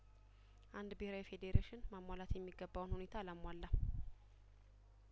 አንድ ብሄራዊ ፌዴሬሽን ማሟላት የሚገባውን ሁኔታ አላ ሟላም